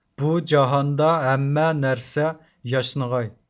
بۇ جاھاندا ھەممە نەرسە ياشنىغاي